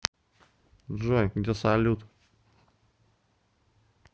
джой где салют